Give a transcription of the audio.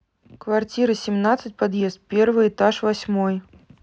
квартира семнадцать подъезд первый этаж восьмой